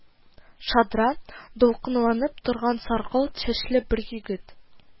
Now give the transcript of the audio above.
Шадра, дулкынланып торган саргылт чәчле бер егет: